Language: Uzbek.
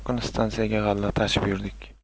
kuni stansiyaga g'alla tashib yurdik